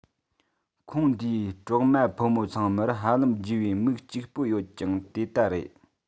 ཁོངས འདིའི གྲོག མ ཕོ མོ ཚང མར ཧ ཅང རྒྱས པའི མིག གཅིག པོ ཡོད ཀྱང དེ ལྟ རེད